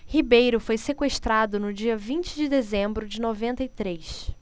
ribeiro foi sequestrado no dia vinte de dezembro de noventa e três